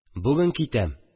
Бүген китәм